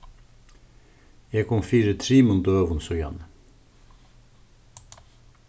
eg kom fyri trimum døgum síðani